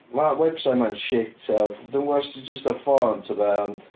Ma' website ma'n shit ia. Dwi'm gwybod os 'di o jyst ar ffôn ta be ond...